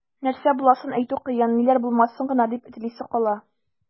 Нәрсә буласын әйтү кыен, ниләр булмасын гына дип телисе кала.